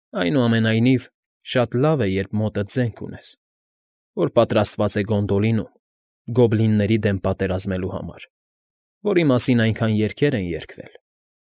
Այնուամենայնիվ, շատ լավ է, երբ մոտդ զենք ունես, որ պատրաստված է Գոնդոլինում՝ գոբլինների դեմ պատերազմելու համար, որի մասին այնքան երգեր են երգվել։